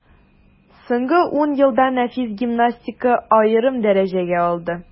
Соңгы ун елда нәфис гимнастика аерым дәрәҗәгә алды.